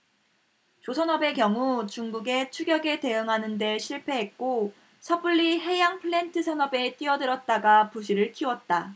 조선업의 경우 중국의 추격에 대응하는 데 실패했고 섣불리 해양플랜트 산업에 뛰어들었다가 부실을 키웠다